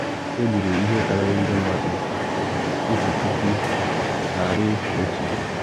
Egburu ihe karịrị ndị mmadụ 1,100.